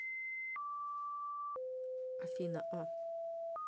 афина а